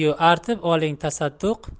yu artib oling tasadduq